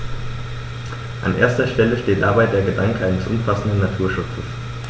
An erster Stelle steht dabei der Gedanke eines umfassenden Naturschutzes.